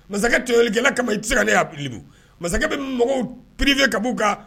Masakɛlikɛla kama i kali masakɛ bɛ pfe ka kan